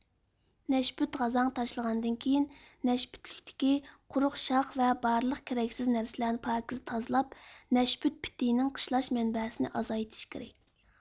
نەشپۈت غازاڭ تاشلىغاندىن كېيىن نەشپۈتلۈكتىكى قۇرۇق شاخ ۋە بارلىق كېرەكسىز نەرسىلەرنى پاكىز تازىلاپ نەشپۈت پىتىنىڭ قىشلاش مەنبەسىنى ئازايتىش كېرەك